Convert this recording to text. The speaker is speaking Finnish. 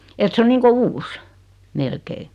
että se on niin kuin uusi melkein